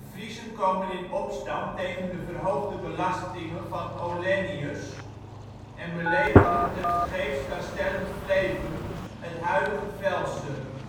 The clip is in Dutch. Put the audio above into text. Friezen komen in opstand tegen de verhoogde belastingen van Olennius en belegeren tevergeefs Castellum Flevum (huidige Velsen